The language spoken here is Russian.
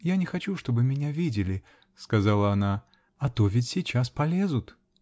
-- Я не хочу, чтобы меня видели, -- сказала она, -- а то ведь сейчас полезут.